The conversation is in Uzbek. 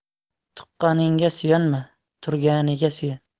tuqqaniga suyunma turganiga suyun